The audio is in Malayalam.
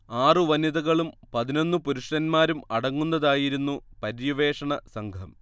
ആറു വനിതകളും പതിനൊന്നു പുരുഷന്മാരും അടങ്ങുന്നതായിരുന്നു പര്യവേഷണ സംഘം